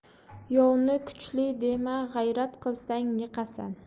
yovni kuchli dema g'ayrat qilsang yiqasan